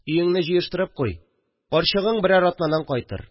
Өеңне җыештырып куй, карчыгың берәр атнадан кайтыр